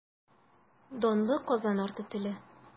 Данлы Казан арты теле.